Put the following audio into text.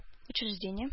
Учреждение